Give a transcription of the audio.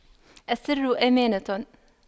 السر أمانة